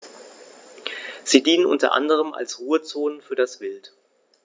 Sie dienen unter anderem als Ruhezonen für das Wild.